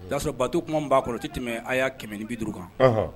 Ka sɔrɔ bato kuma min ba kɔrɔ a ti tɛmɛ haya 150 kan.